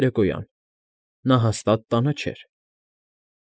Երեկոյան) նա հաստատ տանը չէր։